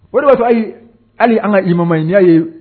Obatɔ ayi hali an ka i maɲyaa ye